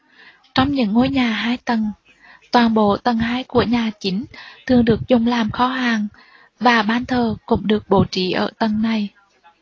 trong những ngôi nhà hai tầng toàn bộ tầng hai của nhà chính thường được dùng làm kho hàng và ban thờ cũng được bố trí ở tầng này